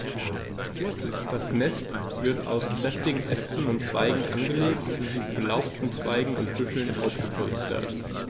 Das Nest wird aus kräftigen Ästen und Zweigen angelegt und mit belaubten Zweigen und Büscheln ausgepolstert.